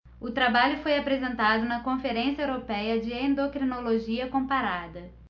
o trabalho foi apresentado na conferência européia de endocrinologia comparada